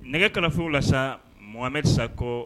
Nɛgɛ kanafurulasa Mohamed Sako.